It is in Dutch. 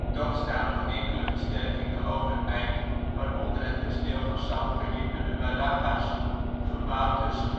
Toch staan nog enkele versterkingen overeind, waaronder het kasteel van San Felipe de Barajas, gebouwd tussen